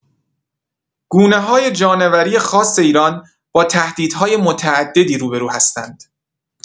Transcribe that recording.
گونه‌های جانوری خاص ایران با تهدیدهای متعددی روبه‌رو هستند؛